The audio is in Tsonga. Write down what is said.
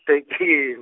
tekhil-.